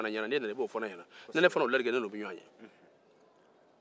n'o fɔra e ɲɛna n'i nana i b'o fɔ ne ɲɛna ni ne y'o kɛ an bɛ ɲɔgɔn ye